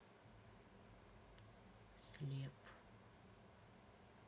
слеп